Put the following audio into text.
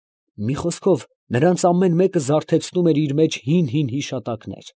Մի խոսքով նրանց ամեն մեկը զարթեցնում էր իր մեջ հին֊հին հիշատակներ։